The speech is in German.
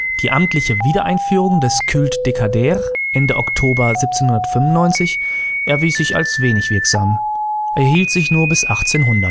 Die amtliche Wiedereinführung des culte décadaire Ende Oktober 1795 erwies sich als wenig wirksam, er hielt sich nur bis 1800. Die